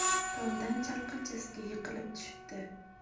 tomdan chalqanchasiga yiqilib tushibdi